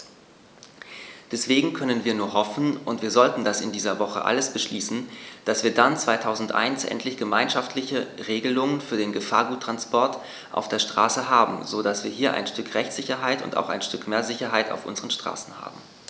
Deswegen können wir nur hoffen - und wir sollten das in dieser Woche alles beschließen -, dass wir dann 2001 endlich gemeinschaftliche Regelungen für den Gefahrguttransport auf der Straße haben, so dass wir hier ein Stück Rechtssicherheit und auch ein Stück mehr Sicherheit auf unseren Straßen haben.